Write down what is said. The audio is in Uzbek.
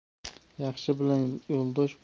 yaxshi bilan yo'ldosh